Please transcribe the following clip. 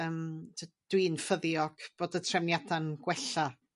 Yym t- dwi'n ffyddiog bod y trefniada'n gwella.